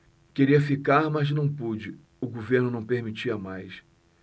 queria ficar mas não pude o governo não permitia mais